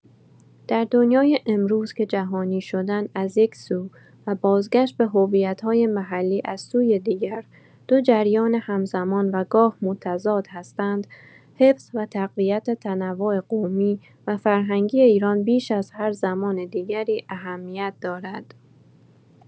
در دنیای امروز که جهانی‌شدن از یک‌سو و بازگشت به هویت‌های محلی از سوی دیگر، دو جریان همزمان و گاه متضاد هستند، حفظ و تقویت تنوع قومی و فرهنگی ایران بیش از هر زمان دیگری اهمیت دارد.